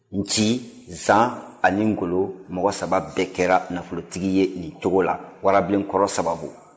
nci zan ani ngɔlɔ mɔgɔ saba bɛɛ kɛra nafolotigi ye nin cogo la warabilenkɔrɔ sababu